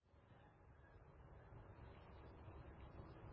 Американнар 7 февральдәге үз гамәлләрен саклану чарасы дип атадылар.